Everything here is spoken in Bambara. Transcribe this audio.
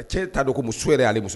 Cɛ in t'a don muso yɛrɛ y'ale muso ye